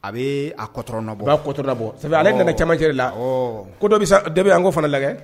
A bɛ a kɔ kɔlabɔ ale nana camancɛri la dɔ bɛ an ko fana lajɛ